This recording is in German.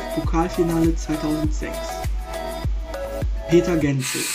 Pokalfinale 2006) Peter Gentzel